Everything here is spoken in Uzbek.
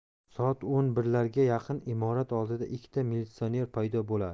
soat o'n birlarga yaqin imorat oldida ikkita militsioner paydo bo'ladi